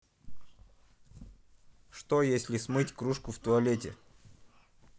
что если смыть кружку в туалете